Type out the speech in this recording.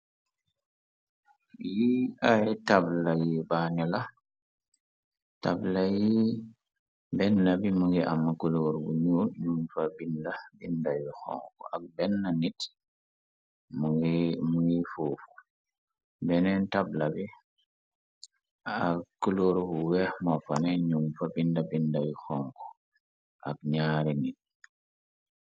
Li ay tabla yi baañu la tabla yi benn bi mungi am kuloor bu ñu num fa binda binda yu xonk ak benn nit mu ngi fuuful beneen tabla bi ak kulóor bu weex mofane ñum fa bind bindayu xonku ak ñyaare nit.